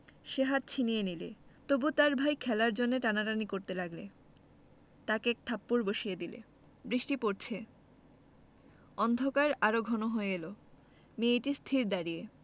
সে হাত ছিনিয়ে নিলে তবু তার ভাই খেলার জন্যে টানাটানি করতে লাগলে তাকে এক থাপ্পড় বসিয়ে দিলে *** বৃষ্টি পরছে অন্ধকার আরো ঘন হয়ে এল মেয়েটি স্থির দাঁড়িয়ে